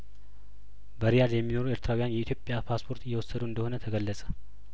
በሪያድ የሚኖሩ ኤርትራውያን የኢትዮጵያ ፓስፖርት እየወሰዱ እንደሆነ ተገለጸ